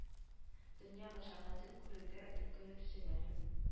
Дөнья мәшәкатен күрергә өлгерерсең әле